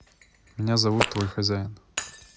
меня зовут твой хозяин